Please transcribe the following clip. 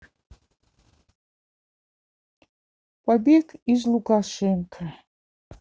побег из лукашенко